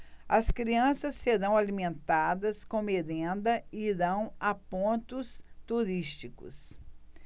as crianças serão alimentadas com merenda e irão a pontos turísticos